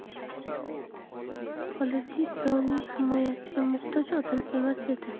xolidiy birovning himoyasiga muhtoj odam emas edi